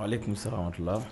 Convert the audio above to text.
Koale tun bɛ sarati